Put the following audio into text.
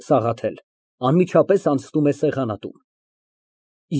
ՍԱՂԱԹԵԼ ֊ (Անմիջապես անցնում է սեղանատուն)։